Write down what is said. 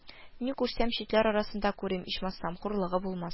– ни күрсәм, читләр арасында күрим, ичмасам, хурлыгы булмас